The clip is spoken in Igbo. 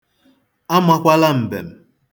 Amakwala mbem!